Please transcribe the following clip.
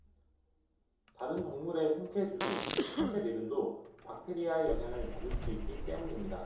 다른 동물의 생체 주기 즉 생체 리듬도 박테리아의 영향을 받을 수 있기 때문입니다